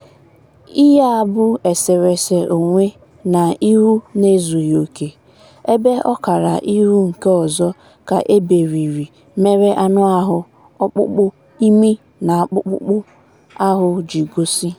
Ihe a bụ eserese onwe na ihu na-ezughi oke, ebe ọkara ihu nke ọzọ ka e beriri mere anụahụ, ọkpụkpụ, imi na akpụkpọ ahụ ji egosi.